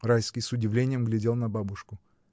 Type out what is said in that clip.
Райский с удивлением глядел на бабушку.